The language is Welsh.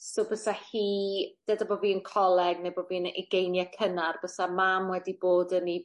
so bysa hi deda bo' fi'n coleg neu bo' fi'n y ugeinie cynnar bysa mam wedi bod yn 'i